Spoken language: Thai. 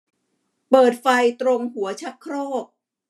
เปิดไฟตรงหัวชักโครก